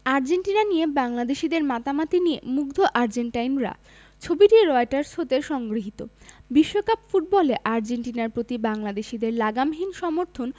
Argentina নিয়ে বাংলাদেশিদের মাতামাতি নিয়ে মুগ্ধ আর্জেন্টাইনরা ছবিটি রয়টার্স হতে সংগৃহীত বিশ্বকাপ ফুটবলে আর্জেন্টিনার প্রতি বাংলাদেশিদের লাগামহীন সমর্থন